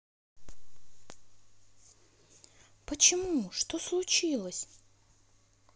почему что случилось